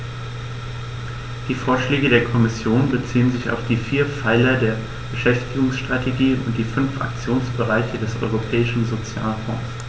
Die Vorschläge der Kommission beziehen sich auf die vier Pfeiler der Beschäftigungsstrategie und die fünf Aktionsbereiche des Europäischen Sozialfonds.